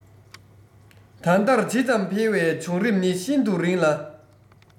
ད ལྟར ཇི ཙམ འཕེལ བའི བྱུང རིམ ནི ཤིན ཏུ རིང ལ